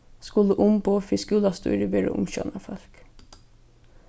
skulu umboð fyri skúlastýrið vera umsjónarfólk